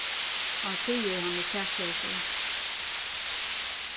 hann sigur hann er sakleysur